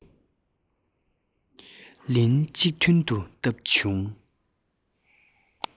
ལན གཅིག མཐུན དུ བཏབ བྱུང